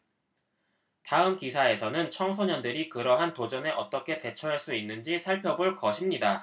다음 기사에서는 청소년들이 그러한 도전에 어떻게 대처할 수 있는지 살펴볼 것입니다